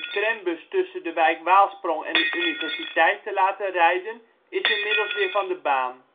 trambus tussen de wijk Waalsprong en de universiteit een trambuslijn is inmiddels weer van de baan